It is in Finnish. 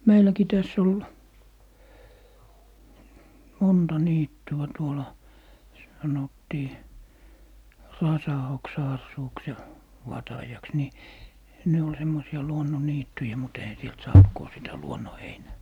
meilläkin tässä oli monta niittyä tuolla sanottiin Rasaoksa-asuuksi ja Vatajaksi niin ne oli semmoisia luonnonniittyjä mutta eihän sieltä saanut kun sitä luonnonheinää